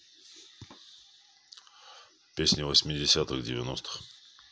песни восьмидесятых девяностых